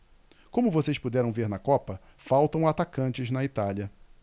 como vocês puderam ver na copa faltam atacantes na itália